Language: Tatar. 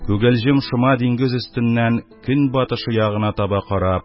Күгелҗем шома диңгез өстеннән көн батышы ягына таба карап